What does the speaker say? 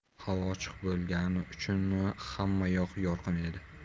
havo ochiq bo'lgani uchunmi xamma yoq yorqin edi